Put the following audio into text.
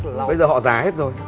bây giờ họ già hết rồi